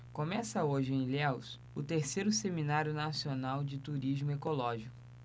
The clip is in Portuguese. começa hoje em ilhéus o terceiro seminário nacional de turismo ecológico